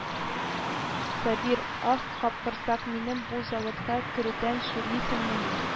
Сабир: «Ах, капкорсак, минем бу заводка керүдән шүрлисеңмени